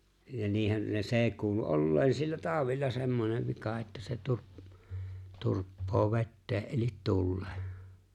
ja niinhän ne se kuului olleen sillä taudilla semmoinen vika että se - turppaa veteen eli tuleen